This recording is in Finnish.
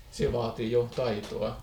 se vaatii jo taitoa